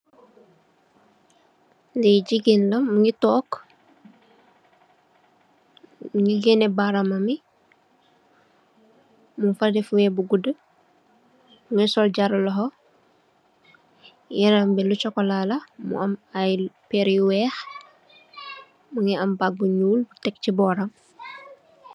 Lee jegain la muge tonke muge gene baramam ye mugfa def wee bu goudu muge sol jaaru lohou yaram be lu sukola la mu am aye pere yu weex muge am bagg bu nuul tek se boram.